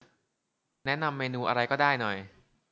แนะนำเมนูอะไรก็ได้หน่อย